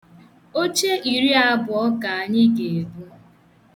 Oche iriabụọ ka anyị ga-ebu.